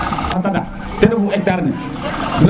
xa taɗaq ten refu hectar ne